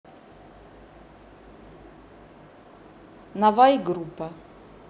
navai группа